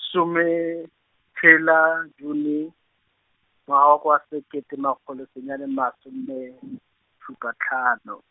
some, tshela June, ngwaga wa sekete makgolo senyane masome, šupa hlano.